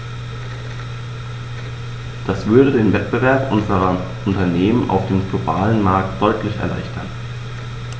Das würde den Wettbewerb unserer Unternehmen auf dem globalen Markt deutlich erleichtern.